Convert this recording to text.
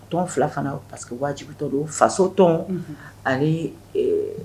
O tɔn fila fana o parce que wajibi to don faso tɔn ani